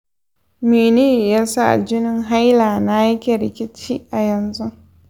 mene yasa jinin haila na ya rikice yanzu?